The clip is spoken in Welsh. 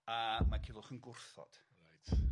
A ma' Culhwch yn gwrthod. Reit.